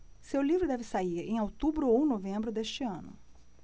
seu livro deve sair em outubro ou novembro deste ano